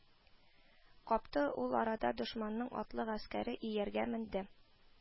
Капты, ул арада дошманның атлы гаскәре ияргә менде